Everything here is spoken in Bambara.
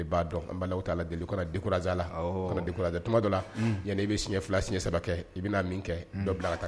'a dɔn bala t'a deli dikurara ka dikuratuma dɔ la yan i bɛ siɲɛ fila siɲɛ saba kɛ i bɛna min kɛ dɔ bila tan